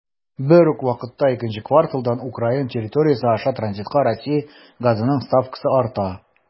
Бер үк вакытта икенче кварталдан Украина территориясе аша транзитка Россия газының ставкасы арта.